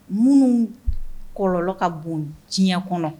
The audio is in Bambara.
Minnu kɔlɔ ka bon diɲɛ kɔnɔ